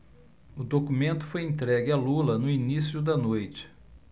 o documento foi entregue a lula no início da noite